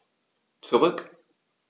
Zurück.